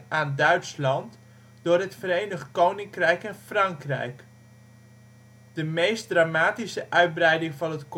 aan Duitsland door het Verenigd Koninkrijk en Frankrijk. De meest dramatische uitbreiding van het